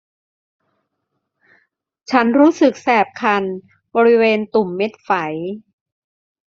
ฉันรู้สึกแสบคันบริเวณตุ่มเม็ดไฝ